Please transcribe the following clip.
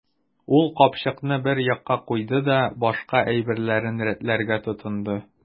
Ул капчыкны бер якка куйды да башка әйберләрен рәтләргә тотынды.